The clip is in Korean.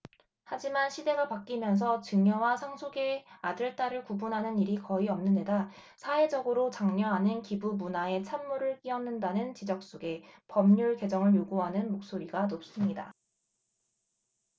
하지만 시대가 바뀌면서 증여와 상속에 아들 딸을 구분하는 일이 거의 없는데다 사회적으로 장려하는 기부문화에 찬물을 끼얹는다는 지적 속에 법률 개정을 요구하는 목소리가 높습니다